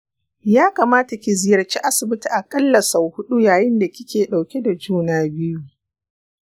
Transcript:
ya kamata ki ziyarci asibiti a ƙalla sau hudu yayin da kike ɗauke da juna biyun